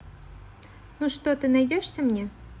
ну что ты найдешься мне